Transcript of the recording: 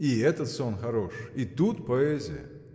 — И этот сон хорош: и тут поэзия!